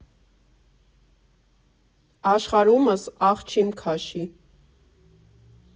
Աշխարհումս ախ չիմ քաշի։